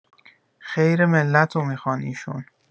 خیر ملت و میخوان ایشون